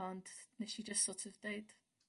ond nes i jys so't of deud